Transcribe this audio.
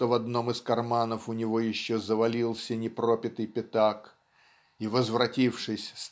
что в одном из карманов у него еще завалился непропитый пятак и возвратившись